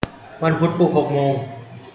วันพุธปลุกหกโมง